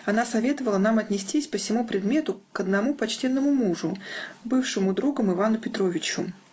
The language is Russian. Она советовала нам отнестись по сему предмету к одному почтенному мужу, бывшему другом Ивану Петровичу.